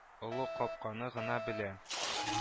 Олы капканы гына белә